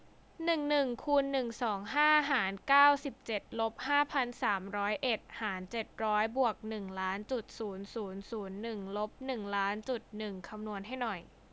หนึ่งหนึ่งคูณหนึ่งสองห้าหารเก้าสิบเจ็ดลบห้าพันสามร้อยเอ็ดหารเจ็ดร้อยบวกหนึ่งล้านจุดศูนย์ศูนย์ศูนย์หนึ่งลบหนึ่งล้านจุดหนึ่งคำนวณให้หน่อย